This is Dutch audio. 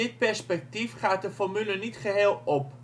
perspectief gaat de formule niet geheel op